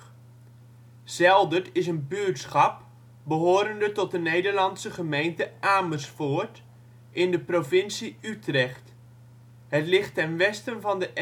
buurtschap behorende tot de Nederlandse gemeente Amersfoort, in de provincie Utrecht. Het ligt ten westen van de